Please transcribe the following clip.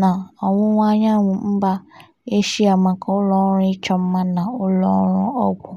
na n'ọwụwaanyanwụ mba Asia maka ụlọọrụ ịchọmma na ụlọọrụ ọgwụ".